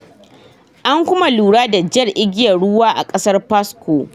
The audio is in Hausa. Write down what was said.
An kuma lura da Jar Igiyar Ruwa a kasar Pasco.